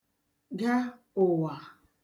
ga ụ̀wà